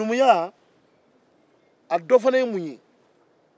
numuya dɔn fana ye mun ye